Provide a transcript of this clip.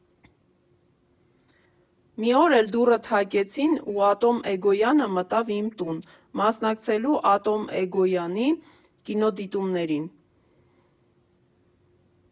Մի օր էլ դուռը թակեցին, ու Ատոմ Էգոյանը մտավ իմ տուն՝ մասնակցելու Ատոմ Էգոյանի կինոդիտումներին։